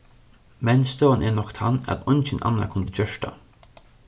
men støðan er nokk tann at eingin annar kundi gjørt tað